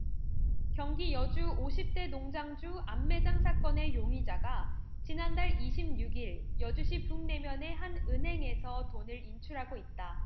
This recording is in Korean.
경기 여주 오십 대 농장주 암매장 사건의 용의자가 지난달 이십 육 일 여주시 북내면의 한 은행에서 돈을 인출하고 있다